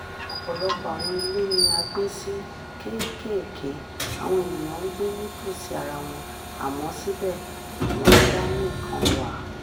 Ọ̀pọ̀lọpọ̀ àwọn ilé ni a pín sí kéékèèké. Àwọn ènìyàn ń gbé ní tòsí ara wọn, àmọ́ síbẹ̀, wọ́n dá níkan wà